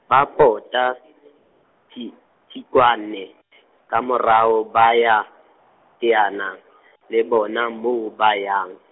ba pota , Tsi- Tsikwane , ka morao ba ya, teana , le bona moo ba yang.